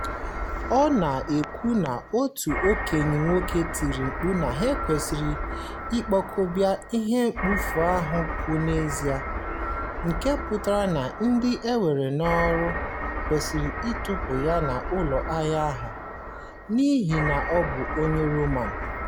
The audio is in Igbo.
Ọ na-ekwu na otu okenye nwoke tiri mkpu na ha "kwesịrị ikpokọba ihe mkpofu ahụ pụọ n'ezi", nke pụtara na ndị e weere n'ọrụ kwesịrị ịtụpụ ya n'ụlọ ahịa ahụ, n'ihi na ọ bụ onye Roma.